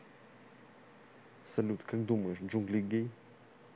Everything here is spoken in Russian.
салют как думаешь джунгли гей